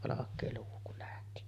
valkea luu kun lähti